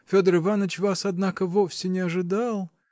Федор Иваныч вас, однако, вовсе не ожидал.